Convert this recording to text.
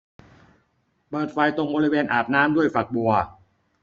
เปิดไฟตรงบริเวณอาบน้ำด้วยฝักบัว